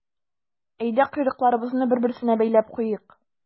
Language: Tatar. Әйдә, койрыкларыбызны бер-берсенә бәйләп куйыйк.